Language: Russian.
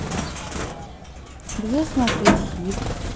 где смотреть хит